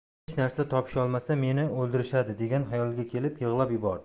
hech narsa topisholmasa meni o'ldirishadi degan xayolga kelib yig'lab yubordi